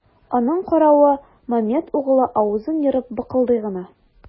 Аның каравы, Мамед углы авызын ерып быкылдый гына.